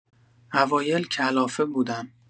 اوایل کلافه بودم.